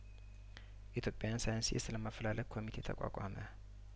ኢትዮጵያን ሳይን ሲስት ለማፈላለግ ኮሚቴ ተቋቋመ